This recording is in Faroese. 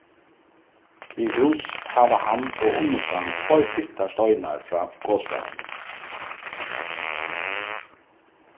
við hús hava hann og unnustan tveir fittar steinar frá gosfjallinum